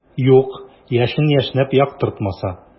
Юк, яшен яшьнәп яктыртмаса.